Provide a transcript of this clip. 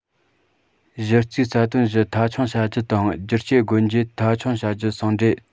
གཞི རྩའི རྩ དོན བཞི མཐའ འཁྱོངས བྱ རྒྱུ དང བསྒྱུར བཅོས སྒོ འབྱེད མཐའ འཁྱོངས བྱ རྒྱུ ཟུང འབྲེལ